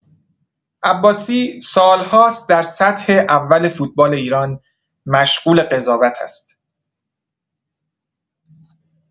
عباسی سال‌هاست در سطح اول فوتبال ایران مشغول قضاوت است.